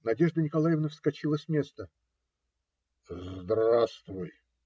Надежда Николаевна вскочила с места. - Здравствуй!